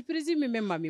Prisi min bɛ ma min